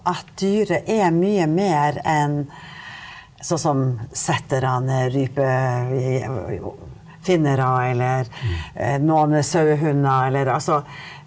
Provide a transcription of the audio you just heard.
at dyret er mye mer enn sånn som setterne er rypefinnere eller noen er sauehunder eller altså.